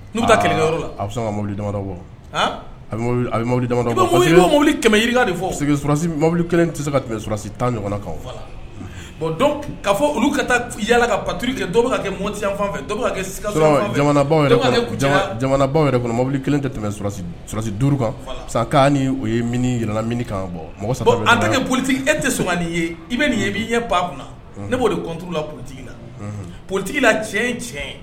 N'u a ka mobili damadɔ bɔ a mɔbili damadɔ mobili kɛmɛka de fɔsi mɔbili kelen tɛ se ka tɛmɛrasi tan ɲɔgɔn kan ka fɔ olu ka taa yalala ka pake dɔw kɛ moti fanfɛ jamanabaw yɛrɛ mobili kelen tɛ tɛmɛsi duuru kan san o ye yɛlɛ minikan bɔ mɔgɔ a tɛolitigi e tɛ sonugan ye i bɛ nin ye b'i ɲɛ pa ne' de la ptigila politigila cɛ tiɲɛ